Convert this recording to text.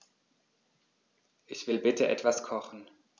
Ich will bitte etwas kochen.